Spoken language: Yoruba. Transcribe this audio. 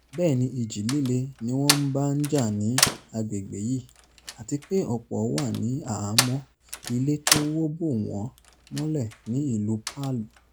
Bẹ́ẹ̀ ni ìjì-líle níwọ̀nba ń ja ní àgbègbè yí. Àti pé ọ̀pọ̀ wà ní àhámọ́ ilé tó wó bò wọ́n mọlẹ̀ ní ìlú Palu.